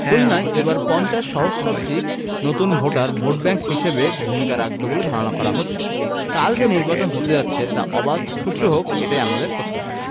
খুলনায় এবার ৫০ সহস্রাধিক নতুন ভোটার ভোটব্যাংক হিসেবে ভূমিকা রাখবে বলে ধারণা করা হচ্ছে কাল যে নির্বাচন হতে যাচ্ছে তা অবাধ সুষ্ঠু হোক এটাই আমাদের প্রত্যাশা